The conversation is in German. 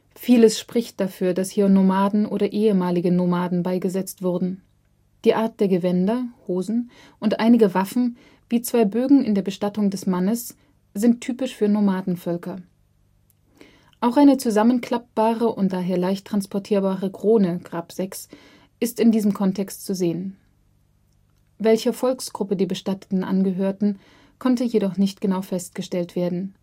Vieles spricht dafür, dass hier Nomaden oder ehemalige Nomaden beigesetzt wurden. Die Art der Gewänder (Hosen) und einige Waffen, wie zwei Bögen in der Bestattung des Mannes, sind typisch für Nomadenvölker. Auch eine zusammenklappbare und daher leicht transportierbare Krone (Grab 6) ist in diesem Kontext zu sehen. Welcher Volksgruppe die Bestatteten angehörten, konnte jedoch nicht genau festgestellt werden